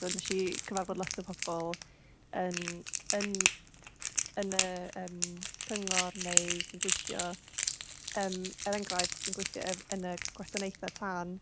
so wnes i cyfarfod lot o pobl yn yn yn y ymm cyngor neu sy'n gweithio yym er engraifft sy'n gweithio ef- yn y gwasanaethau tân.